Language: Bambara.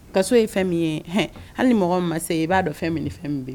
Kaso ye fɛn min ye hali mɔgɔ ma se i b'a dɔn fɛn min nin fɛn min bilen